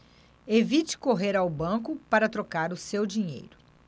evite correr ao banco para trocar o seu dinheiro